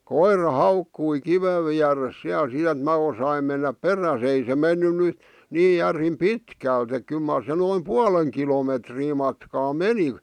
koira haukkui kiven vieressä siellä sitten että minä osasin mennä perässä ei se mennyt nyt niin järin pitkälti että kyllä mar se noin puolen kilometriä matkaa meni